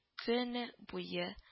Көне буе